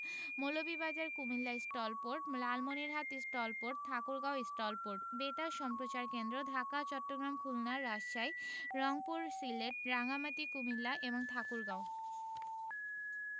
Moulvibazar Comilla STOL port Lalmonirhat STOL port Thakurgaon STOL port বেতার সম্প্রচার কেন্দ্রঃ ঢাকা চট্টগ্রাম খুলনা রাজশাহী রংপুর সিলেট রাঙ্গামাটি কুমিল্লা এবং ঠাকুরগাঁও